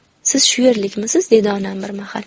siz shu yerlikmisiz dedi onam bir mahal